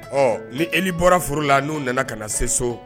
Ɔ ni eli bɔra foro la n'u nana ka na se so